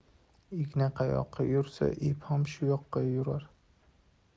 igna qayoqqa yursa ip ham shu yoqqa yurar